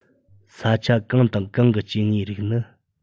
ས ཆ གང དང གང གི སྐྱེ དངོས རིགས ནི